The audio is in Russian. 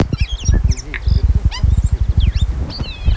музей фаберже санкт петербург